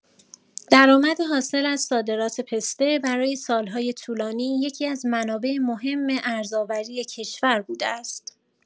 درآمد حاصل از صادرات پسته برای سال‌های طولانی یکی‌از منابع مهم ارزآوری کشور بوده است.